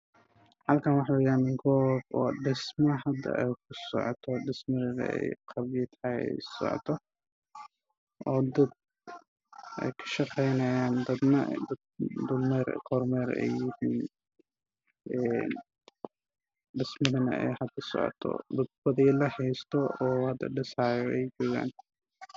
Waa meel laga dhisaayo guri waxaa maraya niman ayaa joogo oo dhisaya guriga waxay wataan weerar iyo badeello